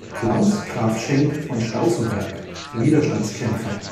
Claus Graf Schenk von Stauffenberg, Widerstandskämpfer